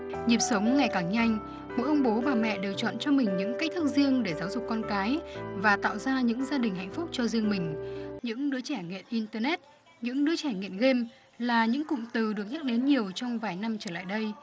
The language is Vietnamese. nhịp sống ngày càng nhanh mỗi ông bố bà mẹ đều chọn cho mình những cách thức riêng để giáo dục con cái và tạo ra những gia đình hạnh phúc cho riêng mình những đứa trẻ nghiện in tơ nét những đứa trẻ nghiện ghêm là những cụm từ được nhắc đến nhiều trong vài năm trở lại đây